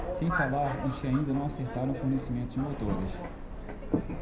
sem falar nos que ainda não acertaram o fornecimento de motores